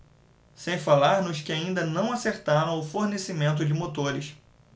sem falar nos que ainda não acertaram o fornecimento de motores